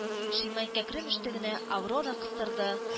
Шимай кәкре мөштегенә Аврора кыстырды